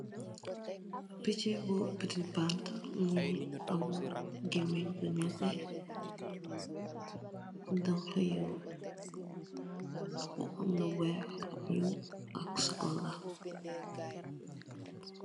Pichi bu pitipanta mungi am gemeng bu netteh doxuyu mu am lu wekh, ñul ak socola.